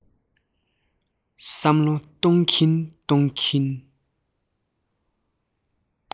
བསམ བློ གཏོང གིན གཏོང གིན